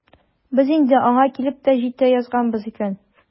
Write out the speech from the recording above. Без инде аңа килеп тә җитә язганбыз икән.